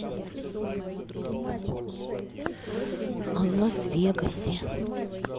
а в лас вегасе